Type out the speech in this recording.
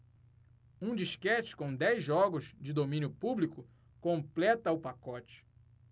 um disquete com dez jogos de domínio público completa o pacote